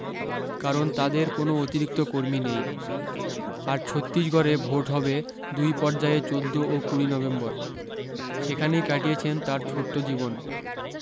কারণ তাদের কোনও অতিরিক্ত কর্মী নেই আর ছত্তিশগড়ে ভোট হবে দুই পর্যায়ে চোদ্দ ও কুড়ি নভেম্বর সেখানেই কাটিয়েছেন তার ছোট্ট জীবন